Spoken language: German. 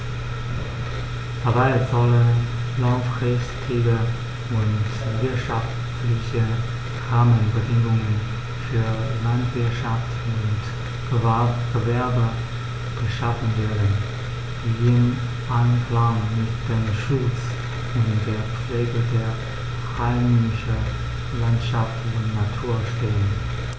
Dabei sollen langfristige und wirtschaftliche Rahmenbedingungen für Landwirtschaft und Gewerbe geschaffen werden, die im Einklang mit dem Schutz und der Pflege der heimischen Landschaft und Natur stehen.